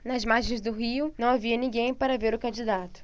nas margens do rio não havia ninguém para ver o candidato